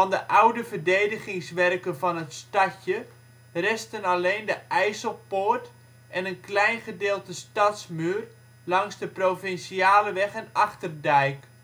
de oude verdedigingswerken van het stadje resten alleen de IJsselpoort en een klein gedeelte stadsmuur langs de Provinciale weg en Achterdijk